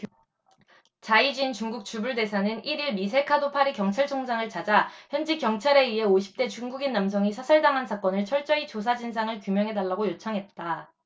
자이쥔 중국 주불대사는 일 일 미셀 카도 파리 경찰청장을 찾아 현지 경찰에 의해 오십 대 중국인 남성이 사살당한 사건을 철저히 조사 진상을 규명해달라고 요청했다